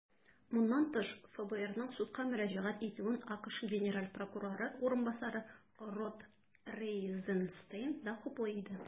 Моннан тыш, ФБРның судка мөрәҗәгать итүен АКШ генераль прокуроры урынбасары Род Розенстейн да хуплый иде.